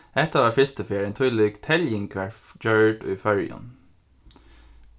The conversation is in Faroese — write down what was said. hetta var fyrstu ferð ein tílík teljing varð gjørd í føroyum